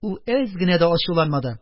Ул әз генә дә ачуланмады,